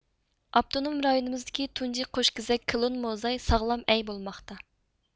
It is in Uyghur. ئاپتونوم رايونىمىزدىكى تۇنجى قوشكېزەك كلون موزاي ساغلام ئەي بولماقتا